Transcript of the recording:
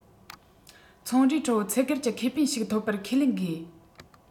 ཚོང རའི ཁྲོད ཚད བརྒལ གྱི ཁེ ཕན ཞིག ཐོབ པར ཁས ལེན དགོས